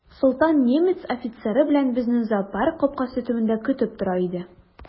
Солтан немец офицеры белән безне зоопарк капкасы төбендә көтеп тора иде.